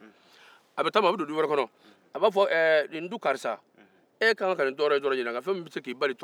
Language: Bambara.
a bɛ don du wɛrɛ kɔnɔ a b'a fɔ karisa e ka kan ka nin tɔɔrɔ in sɔro ɲinan nka n'i ye nin saraka in bɔ a be bali